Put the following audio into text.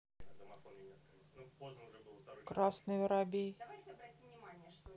красный воробей